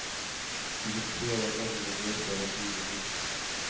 Сөйләшү, аларга бүләкләр тарату үзебез